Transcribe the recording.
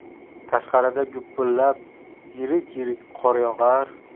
tashqarida gupillab yirik yirik qor yog'ar